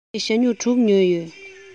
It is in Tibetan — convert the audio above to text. ངས ཞྭ སྨྱུག དྲུག ཉོས ཡོད